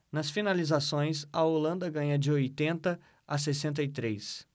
nas finalizações a holanda ganha de oitenta a sessenta e três